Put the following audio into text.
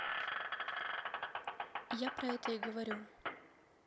я про это и говорю